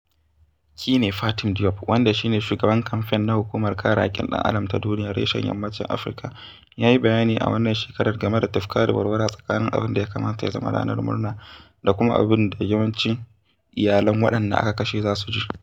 Kine-Fatim Diop, wanda shi ne shugaban kamfen na hukumar kare haƙƙin ɗan'adam ta duniya reshen Yammacin Afirka, ya yi bayani a wannan shekarar game da tufka-da-warwara tsakanin abin da ya kamata ya zama ranar murna da kuma abin da yawancin iyalan waɗanda aka kashe za su ji: